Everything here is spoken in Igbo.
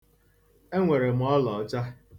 Enwere m ọla ọcha.